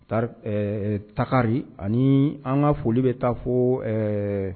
Taa tagari ani an ka foli bɛ taa fo ɛɛ